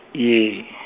ye.